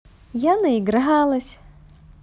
я наигралась